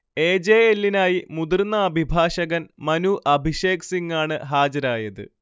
A. J. എല്ലിനായി മുതിർന്ന അഭിഭാഷകൻ മനു അഭിഷേക് സിങ്ങാണ് ഹാജരായത്